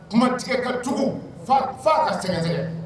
Kuma tigɛ kacogo fa ka sɛgɛnsɛgɛ